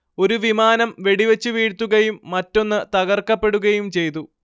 ഒരു വിമാനം വെടിവെച്ചു വീഴ്ത്തുകയും മറ്റൊന്ന് തകർക്കപ്പെടുകയും ചെയ്തു